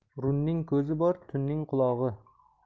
running ko'zi bor tunning qulog'i